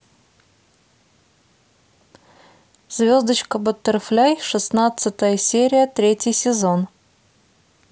звездочка баттерфляй шестнадцатая серия третий сезон